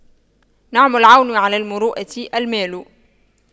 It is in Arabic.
نعم العون على المروءة المال